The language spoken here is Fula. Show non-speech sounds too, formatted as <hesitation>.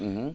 <hesitation> <hesitation>